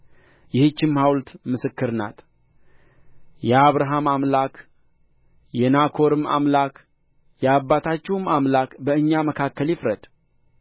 ይህችም ሐውልት ምስክር ናት የአብርሃም አምላክ የናኮርም አምላክ የአባታቸውም አምላክ በእኛ መካከል ይፍረድ